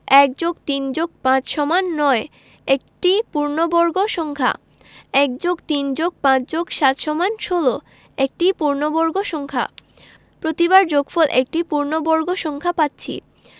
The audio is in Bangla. ১+৩+৫=৯ একটি পূর্ণবর্গ সংখ্যা ১+৩+৫+৭=১৬ একটি পূর্ণবর্গ সংখ্যা প্রতিবার যোগফল একটি পূর্ণবর্গ সংখ্যা পাচ্ছি